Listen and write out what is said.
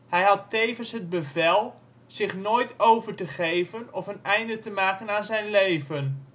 had tevens het bevel zich nooit over te geven of een einde te maken aan zijn leven